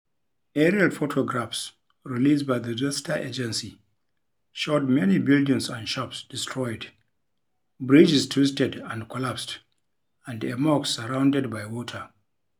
Aerial photographs released by the disaster agency showed many buildings and shops destroyed, bridges twisted and collapsed and a mosque surrounded by water.